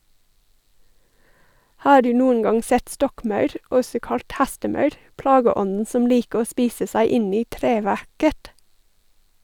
Har du noen gang sett stokkmaur, også kalt hestemaur , plageånden som liker å spise seg inn i treverket?